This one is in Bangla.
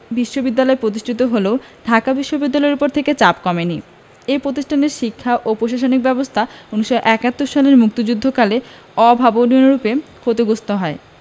বিশ্ববিদ্যালয় প্রতিষ্ঠিত হলেও ঢাকা বিশ্ববিদ্যালয়ের ওপর থেকে চাপ কমেনি এ প্রতিষ্ঠানের শিক্ষা ও প্রশাসনিক ব্যবস্থা ১৯৭১ সালের মুক্তিযুদ্ধকালে অভাবনীয়রূপে ক্ষতিগ্রস্ত হয়